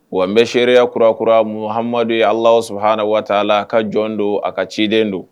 Wa n bɛ seereriya kurakurara ma ha amadu ala sɔrɔhara waata la a ka jɔn don a ka ciden don